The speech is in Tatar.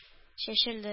Чәчелде